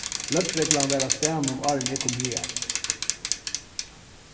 løgreglan var á staðnum áðrenn eg kom hagar